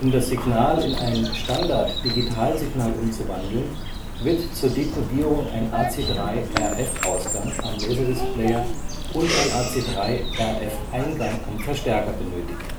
das Signal in ein Standarddigitalsignal umzuwandeln, wird zur Decodierung ein AC3-RF-Ausgang am LD-Spieler und ein AC3-RF-Eingang am Verstärker benötigt